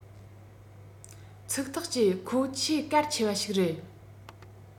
ཚིག ཐག བཅད ཁོ ཆེས གལ ཆེ བ ཞིག རེད